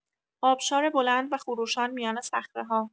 آبشار بلند و خروشان میان صخره‌ها